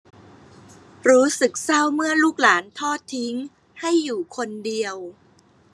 รู้สึกเศร้าเมื่อลูกหลานทอดทิ้งให้อยู่คนเดียว